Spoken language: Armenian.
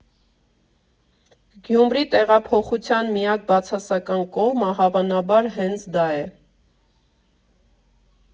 Գյումրի տեղափոխության միակ բացասական կողմը հավանաբար հենց դա է.